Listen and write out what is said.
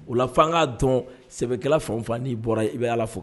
O la fan'a dɔn sɛbɛkɛla fanfan n'i bɔra i bɛ ala fo